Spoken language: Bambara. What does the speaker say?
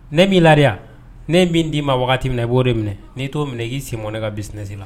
N b'i lariba n bɛ n d'i ma wagati min minɛ i b'o de minɛ n'i t'o minɛ k'i si m ne ka bin sen la